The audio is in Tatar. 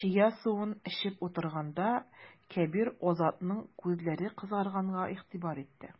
Чия суын эчеп утырганда, Кәбир Азатның күзләре кызарганга игътибар итте.